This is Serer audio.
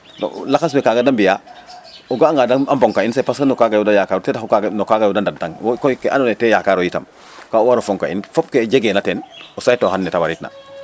donc lakas we kaaga da mbi'aa o ga'anga da a mboŋka in parce que no kaaga yo da yakaaru ten taxu no kaaga yo da dabndang wo' koy ke andoona yee te yakaaro itam k a o war a foŋkaa in fop ke jege na ten o saytoxan neta waritna.